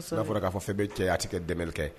I b'a fɔra k'a fɔ fɛn bɛ cɛ tɛ kɛ dɛmɛli kɛ